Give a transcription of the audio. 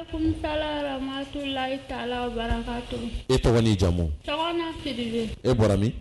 Sa la i bara e tɔgɔ jamu feere e bɔra